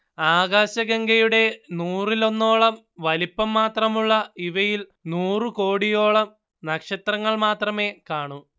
ആകാശഗംഗയുടെ നൂറിലൊന്നോളം വലിപ്പം മാത്രമുള്ള ഇവയിൽ നൂറുകോടിയോളം നക്ഷത്രങ്ങൾ മാത്രമേ കാണൂ